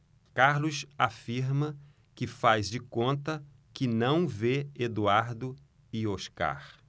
carlos afirma que faz de conta que não vê eduardo e oscar